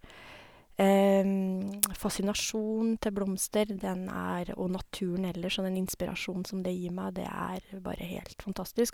Fascinasjonen til blomster den er og naturen ellers og den inspirasjonen som det gir meg, det er bare helt fantastisk.